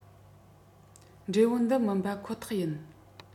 འབྲས བུ འདི མིན པ ཁོ ཐག ཡིན